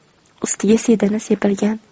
ustiga sedana sepilgan